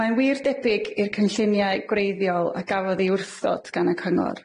Mae'n wir debyg i'r cynlluniau gwreiddiol a gafodd ei wrthod gan y cyngor.